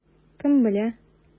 Кем белә?